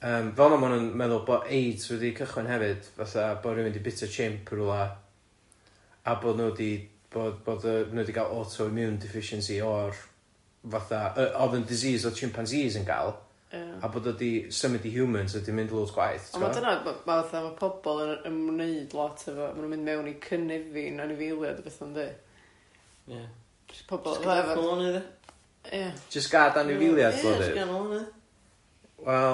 Yym, fel 'na ma' nhw'n meddwl bo' AIDS wedi cychwyn hefyd fatha bo' rywun 'di bwyta chimp yn rwla a bod nhw 'di, bod bod yy nhw wedi ga'l autoimmune deficiency o'r fatha yy odd yn disease odd chimpanzees yn ga'l... Ia ...a bod o 'di symud i humans a wedi mynd loads gwaeth ti'bod? Ond ma' dyna ma' fatha ma' pobol yn yy ymwneud lot efo ma' nhw'n mynd mewn i cynefin anifeiliaid a petha' yndi? Ia. Jyst pobol efo... Jyst gad anifeiliaid lonydd ia? Ia. Jyst gad anifeiliaid lonydd? Ia jyst gad nhw lonydd. Wel...